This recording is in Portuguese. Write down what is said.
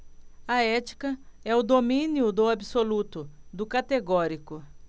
a ética é o domínio do absoluto do categórico